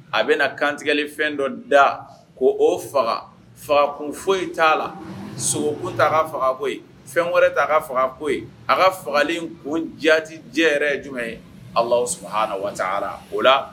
A bɛna na kantigɛli fɛn dɔ da ko o faga faga kun foyi t'a la sogoko ta ka fagako ye fɛn wɛrɛ ta a ka fagako ye a ka fagalen ko jati jɛ yɛrɛ ye jumɛn ye aw suha wa o la